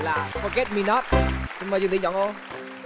là ph ghét mi nót xin mời chi tuyển chọn ô